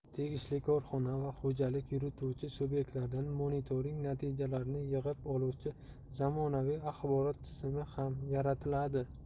tegishli korxona va xo'jalik yurituvchi subyektlardan monitoring natijalarini yig'ib oluvchi zamonaviy axborot tizimi ham yaratiladi